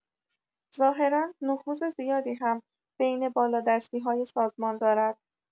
ظاهرا نفوذ زیادی هم بین بالادستی‌های سازمان دارد.